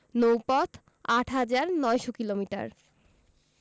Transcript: নৌপথ ৮হাজার ৯০০ কিলোমিটার